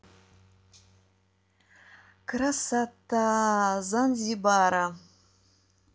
красота занзибара